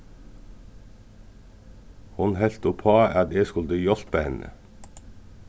hon helt uppá at eg skuldi hjálpa henni